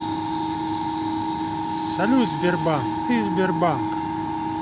салют сбербанк ты сбербанк